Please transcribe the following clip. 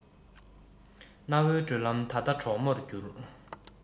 གནའ བོའི བགྲོད ལམ ད ལྟ གྲོག མོར གྱུར